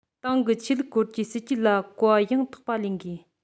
ཏང གི ཆོས ལུགས སྐོར གྱི སྲིད ཇུས ལ གོ བ ཡང དག པ ལེན དགོས